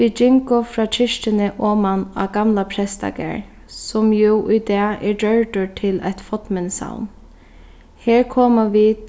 vit gingu frá kirkjuni oman á gamla prestagarð sum jú í dag er gjørdur til eitt fornminnissavn her komu vit